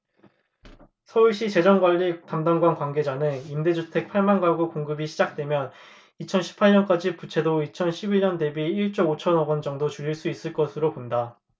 서울시 재정관리담당관 관계자는 임대주택 팔 만 가구 공급이 시작되면 이천 십 팔 년까지 부채도 이천 십 일 년 대비 일 조 오 천억원 정도 줄일 수 있을 것으로 본다